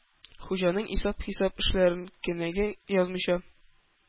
Хуҗаның исәп-хисап эшләрен кенәгәгә язмыйча,